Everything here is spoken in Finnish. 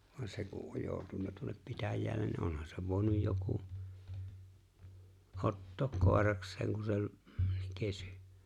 vaan se kun on joutunut tuonne pitäjälle niin onhan sen voinut joku ottaa koirakseen kun se oli kesy